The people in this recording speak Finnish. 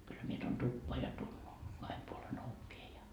kyllä minä tuon tupaan ja - kahden puolen ovien ja